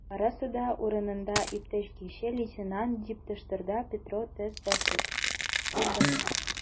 Барысы да урынында, иптәш кече лейтенант, - дип тапшырды Петро, төз басып.